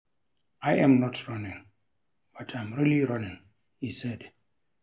I'm not running, but I'm really running," he said.